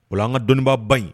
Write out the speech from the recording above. Wa an ka dɔnnibaaba ɲi